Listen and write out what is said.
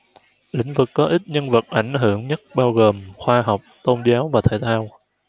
lĩnh vực có ít nhân vật ảnh hưởng nhất bao gồm khoa học tôn giáo và thể thao